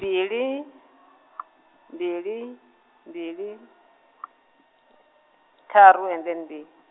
mbili, mbili, mbili, ṱharu and then mbi.